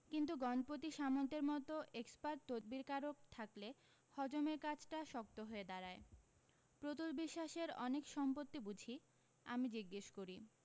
কিন্তু গণপতি সামন্তের মতো এক্সপার্ট তদ্বিরকারক থাকলে হজমের কাজটা শক্ত হয়ে দাঁড়ায় প্রতুল বিশ্বাসের অনেক সম্পত্তি বুঝি আমি জিজ্ঞেস করি